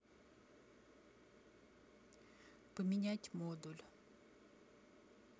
поменять модуль